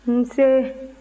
nse